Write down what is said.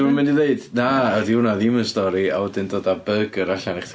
Dwi'm yn mynd i ddweud, "na 'di hwnna ddim yn stori", a wedyn dod â byrgyr allan i chdi.